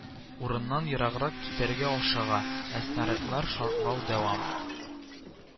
Урыннан ераграк китәргә ашыга, ә снарядлар шартлау дәвам